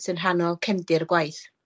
sy'n rhan o cefndir y gwaith.